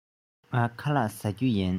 ངས ཁ ལག བཟས མེད